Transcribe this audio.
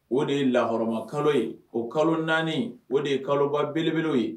O de ye lahɔrɔma kalo ye o kalo 4 in o de ye kaloba belebelew ye